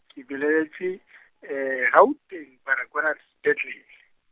ke belegetšwe , Gauteng Baragwanath sepetlele.